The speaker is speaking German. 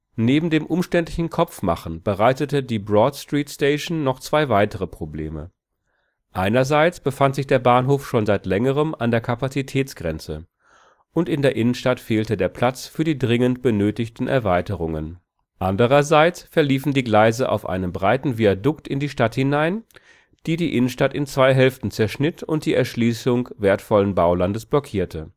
Neben dem umständlichen Kopfmachen bereitete die Broad Street Station noch zwei weitere Probleme: Einerseits befand sich der Bahnhof schon seit längerem an der Kapazitätsgrenze, und in der Innenstadt fehlte der Platz für die dringend benötigten Erweiterungen. Andererseits verliefen die Gleise auf einem breiten Viadukt in die Stadt hinein, der die Innenstadt in zwei Hälften zerschnitt und die Erschließung wertvollen Baulandes blockierte